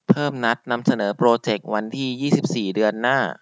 เพิ่มนัดนำเสนอโปรเจควันที่ยี่สิบสี่เดือนหน้า